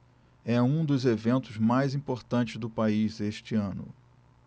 é um dos eventos mais importantes do país este ano